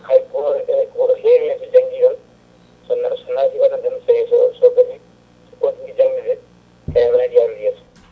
* so janggui tan so naati hoɗorde tan tawi so jaaɓi o contintu jangde nde ha wawa harude yesso